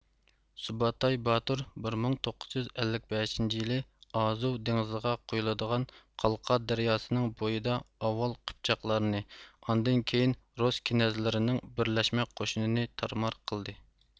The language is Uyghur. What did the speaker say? سۇبۇتاي باتۇر بىر مىڭ توققۇز يۈز ئەللىك بەشىنچى يىلى ئازۇۋ دېڭىزىغا قۇيۇلىدىغان قالقا دەرياسىنىڭ بويىدا ئاۋۋال قىپچاقلارنى ئاندىن كېيىن رۇس كېنەزلىرىنىڭ بىرلەشمە قوشۇنىنى تارمار قىلدى